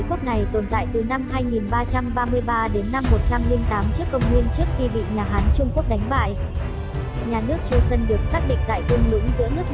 đế quốc này tồn tại từ năm đến năm tcn trước khi bị nhà hán trung quốc đánh bại nhà nước choson được xác định tại thung lũng